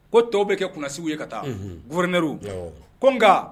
Ko tɔw bɛ kɛ kun segu ye ka taa fmeɛruru ko n nka